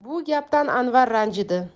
bu gapdan anvar ranjidi